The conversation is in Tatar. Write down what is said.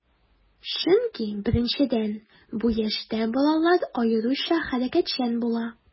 Чөнки, беренчедән, бу яшьтә балалар аеруча хәрәкәтчән була.